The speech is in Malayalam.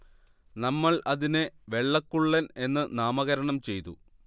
നമ്മൾ അതിനെ വെള്ളക്കുള്ളൻ എന്ന് നാമകരണം ചെയ്തു